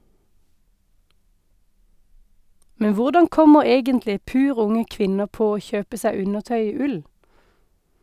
Men hvordan kommer egentlig pur unge kvinner på å kjøpe seg undertøy i ull?